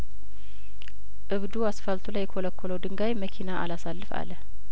እብዱ አስፋልቱ ላይ የኰለኰለው ድንጋይ መኪና አላሳልፍ አለ